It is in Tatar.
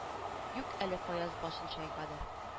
Юк әле фаяз башын чайкады